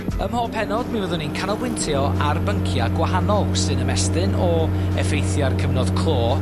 Ym mhob pennod, mi fyddwn ni'n canolbwyntio ar byncia' gwahanol sy'n ymestyn o effeithia'r cyfnod clo